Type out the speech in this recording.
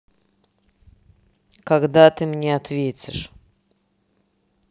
когда ты мне ответишь